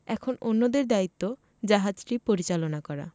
এখন অন্যদের দায়িত্ব জাহাজটি পরিচালনা করা